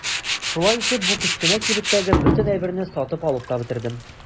Шулай итеп бу кечкенә кибеттәге бөтен әйберне сатып алып та бетердем.